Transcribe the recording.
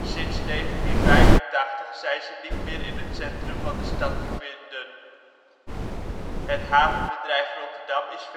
sinds 1985 zijn ze niet meer in het centrum van de stad te vinden. Het Havenbedrijf Rotterdam is verzelfstandigd